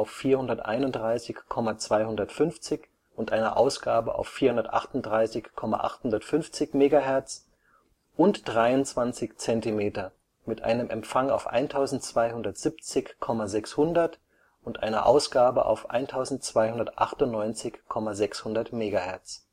431,250/438,850 MHz) und 23 Zentimeter (1270,600/1298,600 MHz